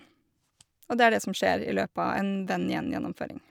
Og det er det som skjer i løpet av en Venn 1-gjennomføring.